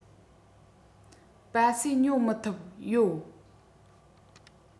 སྤ སེ ཉོ མི ཐུབ ཡོད